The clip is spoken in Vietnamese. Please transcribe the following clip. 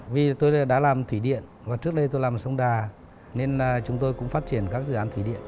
vì tôi đã làm thủy điện mà trước đây tôi làm ở sông đà nên là chúng tôi cũng phát triển các dự án thủy điện